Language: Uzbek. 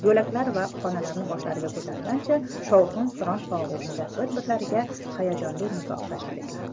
yo'laklar va xonalarni boshlariga ko'targancha shovqin suron og'ushida bir birlariga hayajonli nigoh tashlar edilar